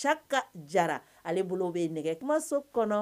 Ca ka jara ale bolo bɛ yen nɛgɛ kumaso kɔnɔ